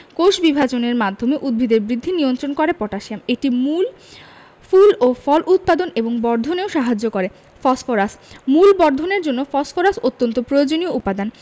কোষবিভাজনের মাধ্যমে উদ্ভিদের বৃদ্ধি নিয়ন্ত্রণ করে পটাশিয়াম এটি মূল ফুল ও ফল উৎপাদন এবং বর্ধনেও সাহায্য করে ফসফরাস মূল বর্ধনের জন্য ফসফরাস অত্যন্ত প্রয়োজনীয় উপাদান